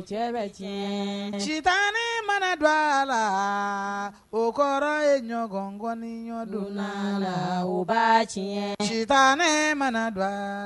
Cɛ bɛ tiɲɛ citan ne mana don a la o kɔrɔ ye ɲɔgɔnkɔni ɲɔ dɔ la la ba tiɲɛ citan ne mana don a la